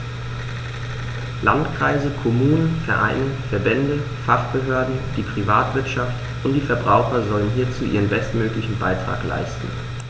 Landkreise, Kommunen, Vereine, Verbände, Fachbehörden, die Privatwirtschaft und die Verbraucher sollen hierzu ihren bestmöglichen Beitrag leisten.